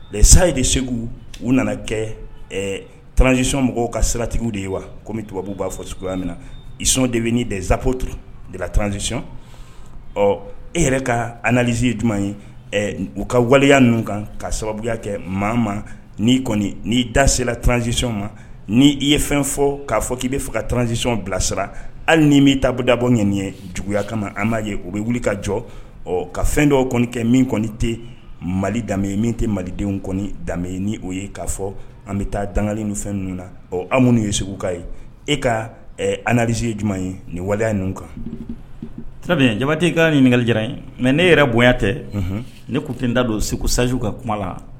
Sayi de segu u nana kɛ tranzsisɔn mɔgɔw ka siratigiw de ye wa komi tubabubu b'a fɔ min na sɔnon de bɛ desaapur de tranzsi ɔ e yɛrɛ kaze jumɛn ye u ka waleya ninnu kan ka sababuya kɛ maa ma n'i kɔni nii da serala tranzsisi ma ni i ye fɛn fɔ k'a fɔ k'i bɛ fɛ ka tranzsi bilasira hali ni bɛ tabu dabɔ ŋ nin ye juguya kama an b'a ye u bɛ wuli ka jɔ ka fɛn dɔw kɔni kɛ min kɔni tɛ mali da ye min tɛ malidenw kɔni da ye ni o ye kaa fɔ an bɛ taa dangali fɛn ninnu na an minnuu ye segu ka ye e ka anze ye jumɛn ye nin waleya ninnu kanurabi jamabate ka ɲini ɲininkagali jara ye mɛ ne yɛrɛ bonya tɛ ne tun tɛ n da don segu sj ka kuma la